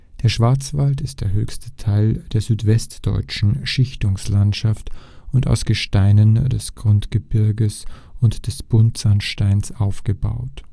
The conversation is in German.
Der Schwarzwald ist der höchste Teil der südwestdeutschen Schichtstufenlandschaft und aus Gesteinen des Grundgebirges und des Buntsandsteins aufgebaut